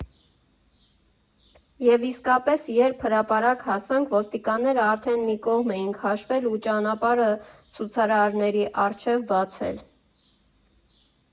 Եվ իսկապես, երբ հրապարակ հասանք, ոստիկանները արդեն մի կողմ էին քաշվել ու ճանապարհը ցուցարարների առջև բացել։